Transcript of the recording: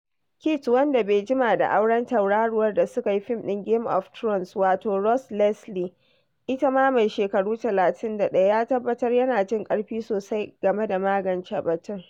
Kit, wanda bai jima da auren tauraruwar da suka yi fim ɗin Game of Thrones wator Rose Leslie, ita ma mai shekaru 31, ya tabbatar yana jin 'ƙarfi sosai' game da magance batun.